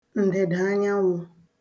ǹdị̀dàanyanwụ̄